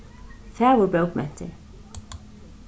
fagurbókmentir